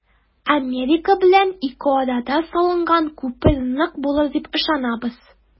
Америка белән ике арада салынган күпер нык булыр дип ышанабыз.